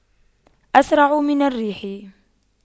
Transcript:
أسرع من الريح